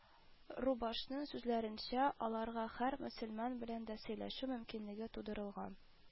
Рубашный сүзләренчә, аларга һәр мөселман белән дә сөйләшү мөмкинлеге тудырылган